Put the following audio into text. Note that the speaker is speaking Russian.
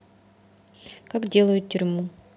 как делают тюрьму